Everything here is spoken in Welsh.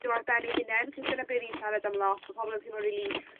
n'w ar ben 'u hunen 'c'os dyna be' o'n i'n siarad am lot bo' pobol yn teimlo rili